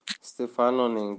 stefanoning bundan ham